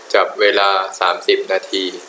จับเวลาสามสิบนาที